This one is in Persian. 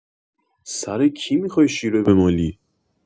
سر کی می‌خوای شیره بمالی؟